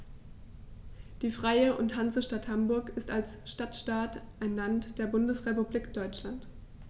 Die Freie und Hansestadt Hamburg ist als Stadtstaat ein Land der Bundesrepublik Deutschland.